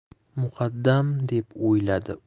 muqaddam deb o'yladi